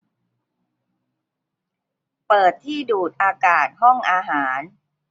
เปิดที่ดูดอากาศห้องอาหาร